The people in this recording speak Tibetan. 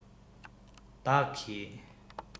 བདག གིས